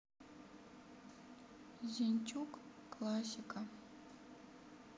зинчук классика